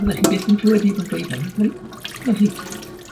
fyddech chi byth yn clwed neb yn gweud hynny neu fyddech chi?